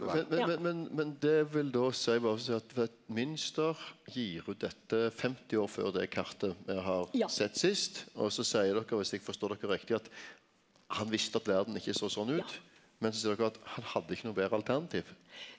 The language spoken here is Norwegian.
men men men men men det vil då seie berre for å seie at for at Münster gir ut dette 50 år før det kartet me har sett sist og så seier dokker viss eg forstår dokker riktig at han visste at verda ikkje så sånn ut men så seier dokker at han hadde ikkje noko betre alternativ.